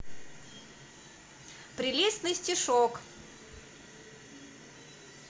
прелестный стишок